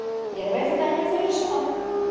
первое задание завершено